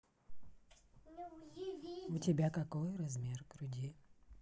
у тебя какой размер груди